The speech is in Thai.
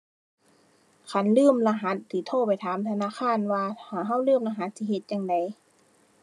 คันลืมรหัสสิโทรไปถามธนาคารว่า ถ้าเราลืมรหัสสิเฮ็ดจั่งใด